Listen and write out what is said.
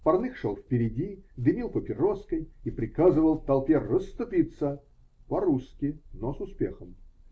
Парных шел впереди, дымил папироской и приказывал толпе расступиться, по-русски, но с успехом.